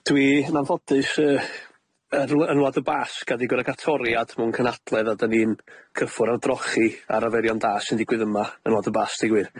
Dwi yn anffodus yy yn rwla yn Wlad y Basg a 'di gor'o' ca'l toriad mewn cynadledd, a 'dan ni'n cyffwr a'r drochi a'r arfeirion da sy'n digwydd yma yng Ngwlad y Basg deu gwir.